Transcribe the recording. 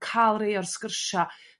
Ca'l rei o'r sgwrsia'